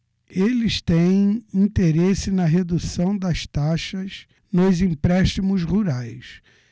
eles têm interesse na redução das taxas nos empréstimos rurais